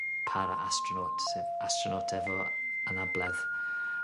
para-astronaut sef astronaut efo anabledd